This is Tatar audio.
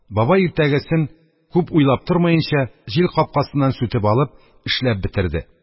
Бабай иртәгесен, күп уйлап тормаенча, йил капкасыннан сүтеп алып, эшләп бетерде